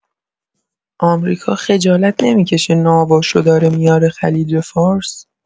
آمریکا خجالت نمی‌کشه ناواشو داره میاره خلیج‌فارس؟